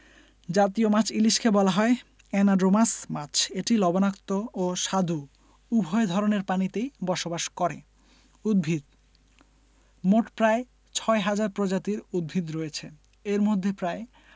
জতীয় মাছ ইলিশকে বলা হয় অ্যানাড্রোমাস মাছ এটি লবণাক্ত ও স্বাদু উভয় ধরনের পানিতেই বসবাস করে উদ্ভিদঃ মোট প্রায় ৬ হাজার প্রজাতির উদ্ভিদ রয়েছে এর মধ্যে প্রায়